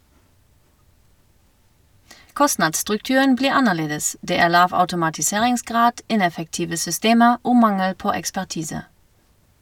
- Kostnadsstrukturen blir annerledes, det er lav automatiseringsgrad, ineffektive systemer og mangel på ekspertise.